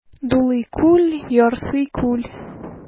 Дулый күл, ярсый күл.